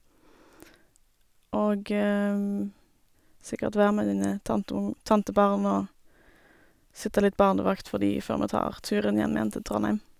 Og sikkert være med denne tanteung tantebarn og sitte litt barnevakt for de, før vi tar turen hjem igjen til Trondheim.